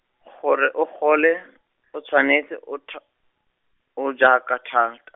gore o gole, o tshwanetse o tha-, o jaaka thata.